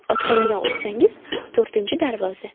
otxonadan o'tsangiz to'rtinchi darvoza